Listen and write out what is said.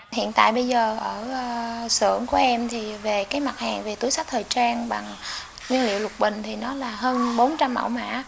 hiện tại bây giờ ở xưởng của em thì về các mặt hàng về túi xách thời trang bằng nguyên liệu lục bình thì nó là hơn bốn trăm mẫu mã